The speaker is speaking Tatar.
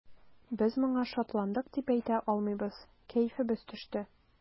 Без моңа шатландык дип әйтә алмыйбыз, кәефебез төште.